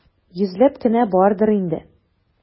Йөзләп кенә бардыр инде.